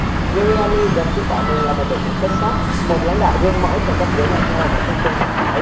nhưng yami dần chứng tỏ mình là đội trưởng xuất sắc lãnh đạo gương mẫu cho cấp dưới noi theo và cấp trên học hỏi